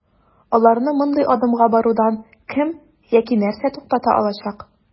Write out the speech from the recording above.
Аларны мондый адымга барудан кем яки нәрсә туктата алачак?